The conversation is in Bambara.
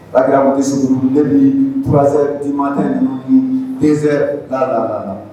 Paki ma tɛsi de bifasɛ i ma tɛ den' la' la